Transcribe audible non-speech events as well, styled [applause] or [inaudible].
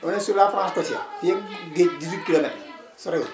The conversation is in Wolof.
on est sur la frange cotière fii ak géej [crosstalk] 18 kilomètres la sorewul